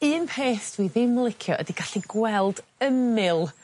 un peth dwi ddim licio ydi gallu gweld ymyl